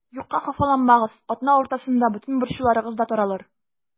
Юкка хафаланмагыз, атна уртасында бөтен борчуларыгыз да таралыр.